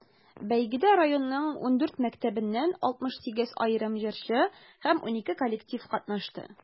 Бәйгедә районның 14 мәктәбеннән 68 аерым җырчы һәм 12 коллектив катнашты.